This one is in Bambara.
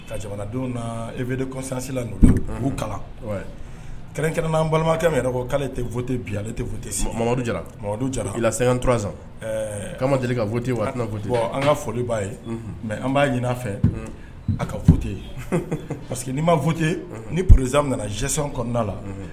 Ka jamanadenw na e v kɔsansila'u kala kɛrɛnkɛrɛn n'an balimakɛ min yɛrɛ ko k'ale tɛ foyite ale tɛ temadu jaramadu jararasan kama deli ka foyite wa an ka foli b'a ye mɛ an b'a ɲinin fɛ a ka futate yen parce que ni ma foyite ni psiz nana jɛsi kɔnɔnada la